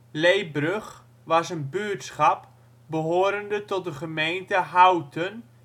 Leebrug was een buurtschap behorende tot de gemeente Houten